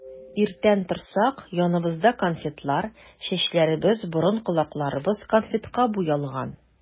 Иртән торсак, яныбызда конфетлар, чәчләребез, борын-колакларыбыз конфетка буялган.